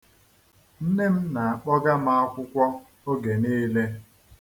Nne m na-akpọga m akwụkwọ oge niile.